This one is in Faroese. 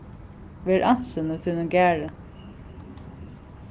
ver ansin í tínum garði